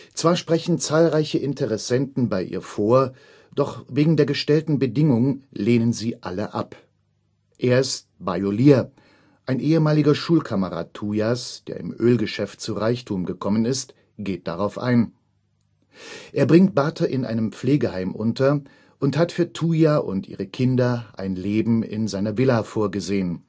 Zwar sprechen zahlreiche Interessenten bei ihr vor, doch wegen der gestellten Bedingung lehnen sie alle ab. Erst Baolier, ein ehemaliger Schulkamerad Tuyas, der im Ölgeschäft zu Reichtum gekommen ist, geht darauf ein. Er bringt Bater in einem Pflegeheim unter und hat für Tuya und ihre Kinder ein Leben in seiner Villa vorgesehen